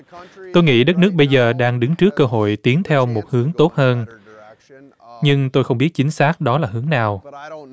tôi nghĩ đất nước bây giờ đang đứng trước cơ hội tiến theo một hướng tốt hơn nhưng tôi không biết chính xác đó là hướng nào